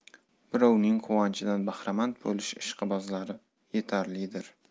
birovning quvonchidan bahramand bo'lish ishqibozlari yetarlidir